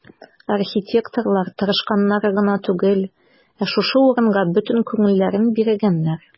Архитекторлар тырышканнар гына түгел, ә шушы урынга бөтен күңелләрен биргәннәр.